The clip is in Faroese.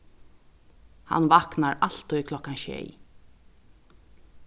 hann vaknar altíð klokkan sjey